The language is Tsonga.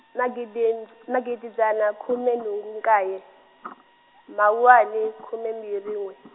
magidi n-, magidi dzana khume nhungu nkaye , Mawuwani khume mbirhi n'we.